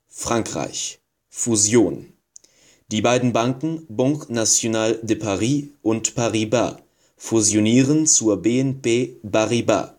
Frankreich: Fusion Die beiden Banken Banque Nationale de Paris (BNP) und Paribas fusionieren zur BNP Paribas